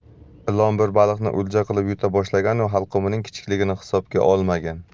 ilon bir baliqni o'lja qilib yuta boshlaganu halqumining kichikligini hisobga olmagan